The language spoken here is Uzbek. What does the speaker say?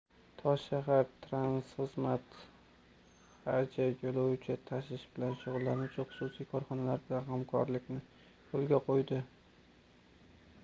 toshshahartransxizmat aj yo'lovchi tashish bilan shug'ullanuvchi xususiy korxonalar bilan hamkorlikni yo'lga qo'ydi